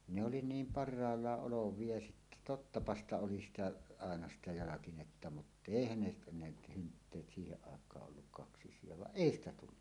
ne oli niin parhaalla olevia ja sitten tottapa sitä oli sitä aina sitä jalkinetta mutta eihän ne ne hynttyyt siihen aikaan ollut kaksisia vaan ei sitä tullut